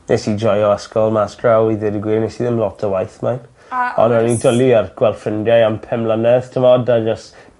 Nes i joio ysgol mas draw i ddeud y gwir nes i ddim lot o waith mind. A o's... A ro'n i'n dwli ar gweld ffrindiau am pum mlynedd t'mod a jys